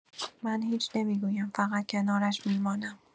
من هیچ نمی‌گویم، فقط کنارش می‌مانم.